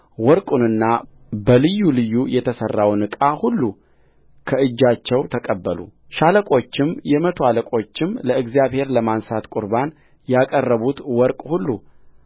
ወርቁንና በልዩ ልዩ የተሠራውን ዕቃ ሁሉ ከእጃቸው ተቀበሉሻለቆችም የመቶ አለቆችም ለእግዚአብሔር ለማንሣት ቍርባን ያቀረቡት ወርቅ ሁሉ